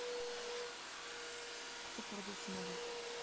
кто продал самолет